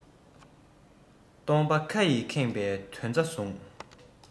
སྟོང པ ཁ ཡིས ཁེངས པའི དོན རྩ བཟུང